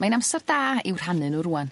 Mae'n amsar da i'w rhannu n'w rŵan.